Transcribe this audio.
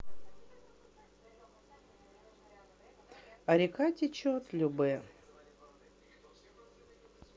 а река течет любэ